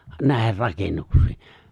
näihin rakennuksiin